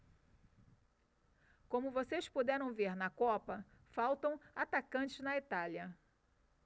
como vocês puderam ver na copa faltam atacantes na itália